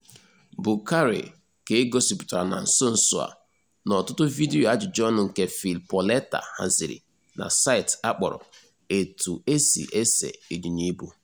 Boukary ka e gosipụtara na nsonso a n'ọtụtụ vidiyo ajụjụọnụ nke Phil Paoletta haziri na saịtị akpọrọ 'Etu esi Ese Ịnyịnya Ibu'.